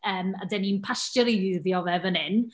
Yym a dan ni'n pastwreiddio fe fan hyn.